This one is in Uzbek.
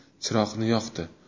chiroqni yoqdi